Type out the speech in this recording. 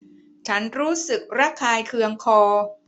ฉันรู้สึกระคายเคืองคอ